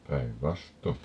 päinvastoin